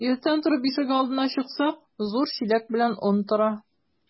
Иртән торып ишек алдына чыксак, зур чиләк белән он тора.